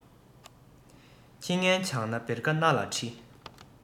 ཁྱི ངན བྱང ན བེར ཀ སྣ ལ བཀྲི